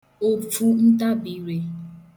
ofuntabìrē